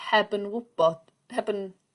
heb yn ŵbod heb yn